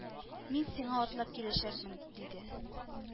Мин сиңа атлап киләчәкмен!— диде